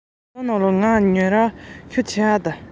ངའི ཆེས ཡིད སྨོན སྐྱེ སའི མི སྣ རུ གྱུར